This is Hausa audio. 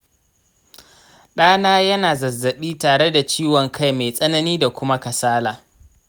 ɗana yana da zazzabi tare da ciwon kai mai tsanani da kuma kasala